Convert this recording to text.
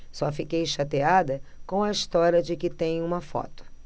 só fiquei chateada com a história de que tem uma foto